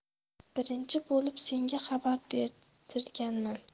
birinchi bo'lib senga xabar berdirganman